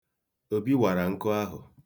Obi wara nkụ ahụ.